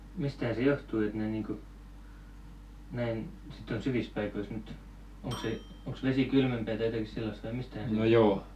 mistähän se johtuu että ne niin kuin näin sitten on syvissä paikoissa nyt onkos se onkos vesi kylmempää tai jotakin sellaista vai mistähän se johtuu